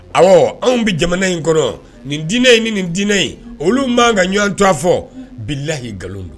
Awɔ anw bi jamana in kɔnɔ . Nin diinɛ in ni nin diinɛ in . Olu man ka ɲɔgɔn tɔgɔ fbilahii nkalon don